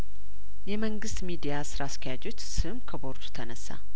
የመንግስት ሚዲያስራ አስኪያጆች ስም ከቦርዱ ተነሳ